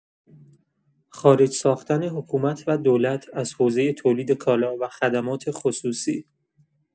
خارج ساختن حکومت و دولت از حوزۀ تولید کالا و خدمات خصوصی